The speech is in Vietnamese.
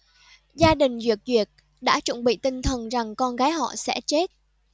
gia đình duyệt duyệt đã chuẩn bị tinh thần rằng con gái họ sẽ chết